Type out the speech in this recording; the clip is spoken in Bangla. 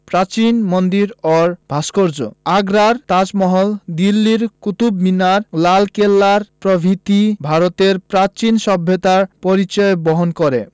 প্রাচীন মন্দির ও ভাস্কর্য আগ্রার তাজমহল দিল্লির কুতুব মিনার লালকেল্লা প্রভৃতি ভারতের প্রাচীন সভ্যতার পরিচয় বহন করে